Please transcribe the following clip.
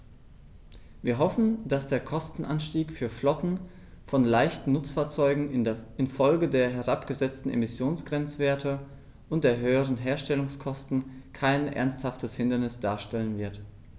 Wir hoffen, dass der Kostenanstieg für Flotten von leichten Nutzfahrzeugen in Folge der herabgesetzten Emissionsgrenzwerte und der höheren Herstellungskosten kein ernsthaftes Hindernis darstellen wird.